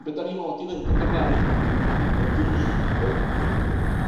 On' be' 'dan ni fod i ddeud yn Gymraeg y du yy neu y